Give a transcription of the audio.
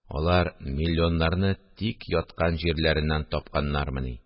Алар миллионнарны тик яткан җирләреннән тапканнармыни